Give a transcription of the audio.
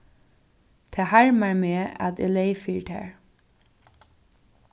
tað harmar meg at eg leyg fyri tær